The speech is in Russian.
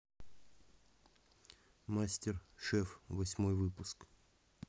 мастер шеф восьмой выпуск